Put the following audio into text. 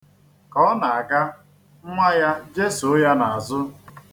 Ka ọ na-aga, nnwa ya jesoo ya n'azụ.